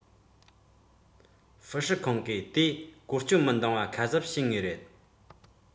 ཧྥུའུ ཧྲི ཁང གིས དེ བཀོལ སྤྱོད མི འདང བ ཁ གསབ བྱེད ངེས རེད